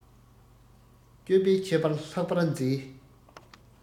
སྤྱོད པའི ཁྱད པར ལྷག པར མཛེས